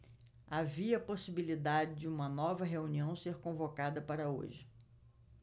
havia possibilidade de uma nova reunião ser convocada para hoje